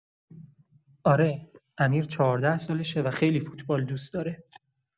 آره، امیر چهارده سالشه و خیلی فوتبال دوست داره.